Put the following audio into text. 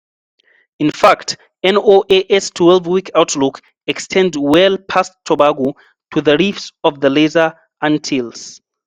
In fact, NOAA's 12-week outlook extends well past Tobago to the reefs of the Lesser Antilles.